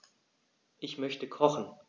Ich möchte kochen.